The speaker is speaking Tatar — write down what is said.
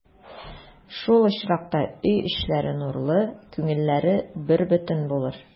Шул очракта өй эчләре нурлы, күңелләре бербөтен булыр.